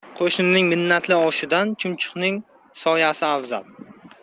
qo'shnining minnatli oshidan chumchuqning soyasi afzal